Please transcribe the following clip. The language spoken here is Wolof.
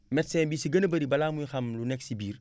medecin bi si gën a bëri balaa muy xam lu nekk si biir